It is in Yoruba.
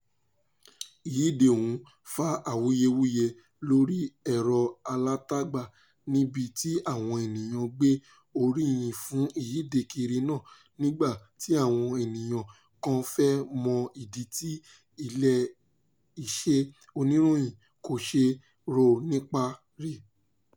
Ìyíde ọ̀hún fa awuyewuye lórí ẹ̀rọ-alátagbà níbi tí àwọn ènìyàn gbé oríyìn fún ìyíde kiri náà nígbà tí àwọn ènìyàn kan fẹ́ mọ ìdí tí ilé iṣẹ́ oníròyìn kò ṣe rò nípa rẹ̀.